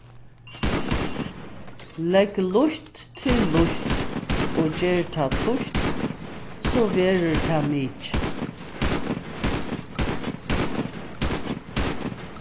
legg lítt til lítt og ger tað títt so verður tað mikið